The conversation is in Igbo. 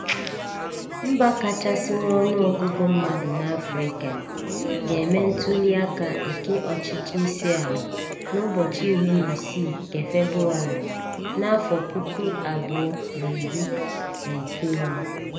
Mba kachasị nwee ọnụọgụgụ mmadụ n'Afrịka, ga-eme ntụliaka nke ọchịchị isi ala n'ụbọchị 16 nke Febụwarị, 2019.